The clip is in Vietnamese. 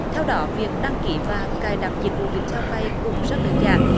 theo đó việc đăng ký và cài đặt dịch vụ việt theo pây cũng rất đơn giản